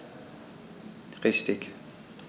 Richtig